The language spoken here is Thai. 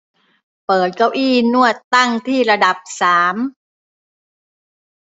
เปิดเก้าอี้นวดตั้งที่ระดับสาม